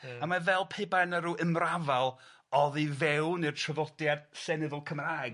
Ie. A mae fel pe bai 'na ryw ymrafal oddi fewn i'r traddodiad llenyddol Cymraeg.